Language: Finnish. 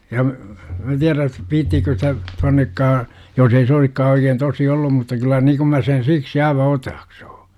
ja minä tiedän viitsiikö sitä tuonnekaan jos ei se olisikaan oikein tosi ollut mutta kyllä niin kun minä sen siksi aivan otaksun